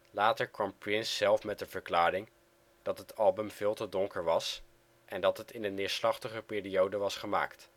Later kwam Prince zelf met de verklaring dat het album veel te donker was en dat het in een neerslachtige periode was gemaakt